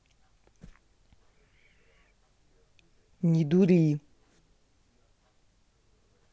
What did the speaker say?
не дури